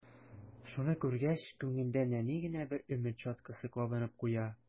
Шуны күргәч, күңелдә нәни генә бер өмет чаткысы кабынып куя.